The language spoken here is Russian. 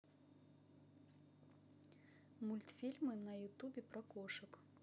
мультфильмы на ютубе про кошек